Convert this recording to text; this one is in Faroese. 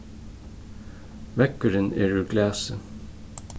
veggurin er úr glasi